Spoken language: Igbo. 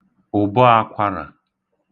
ụ̀bọākwārà